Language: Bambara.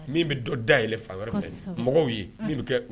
Min bɛ dɔ da yɛlɛ fan wɛrɛ fɛ mɔgɔw ye min bɛ kɛ